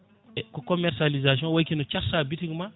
e commercialisation wayi kono carsa boutique ma